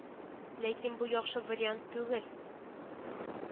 Ләкин бу яхшы вариант түгел